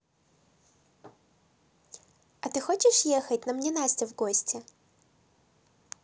а ты хочешь ехать на мне настя в гости